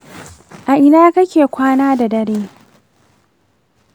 a ina kake kwana da dare?